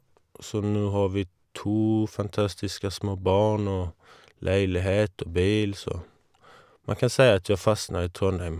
Så nå har vi to fantastiske små barn og leilighet og bil, så man kan si at jeg fastnet i Trondheim.